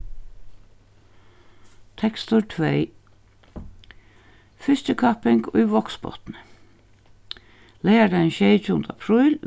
tekstur tvey fiskikapping í vágsbotni leygardagin sjeyogtjúgunda apríl